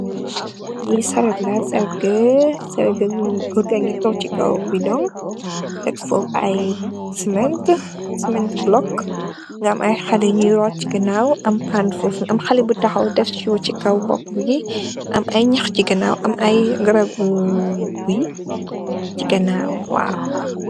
Lii saret la, saret bi ñi ngi took si kowam. Tek foof simentë bulok. Mu ngi am ay xale yuy root si ganaaw. Am ay paan foof, am xalé bu def siwo si boopu bi, am ay ñax si ganaaw, am ay garab bi ñuul bi si ganaaw, waaw.